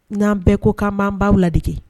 Nan bɛɛ ko kan ban baw ladege